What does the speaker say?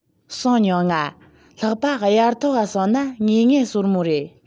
སོང མྱོང ང ལྷག པ དབྱར ཐོག ག སོང ན ངེས ངེས བསོད མོ རེད